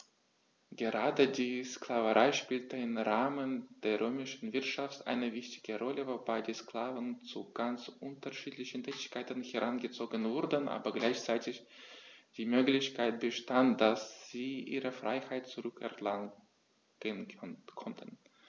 Gerade die Sklaverei spielte im Rahmen der römischen Wirtschaft eine wichtige Rolle, wobei die Sklaven zu ganz unterschiedlichen Tätigkeiten herangezogen wurden, aber gleichzeitig die Möglichkeit bestand, dass sie ihre Freiheit zurück erlangen konnten.